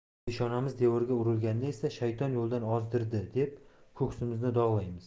peshonamiz devorga urilganda esa shayton yo'ldan ozdirdi deb ko'ksimizni dog'laymiz